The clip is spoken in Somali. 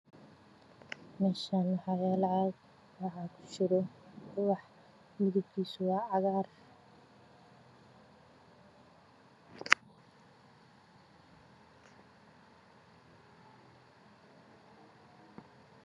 Meeshaan waxaa yeelo caag waxaa ku jira ubax midabkiisa waa cagaar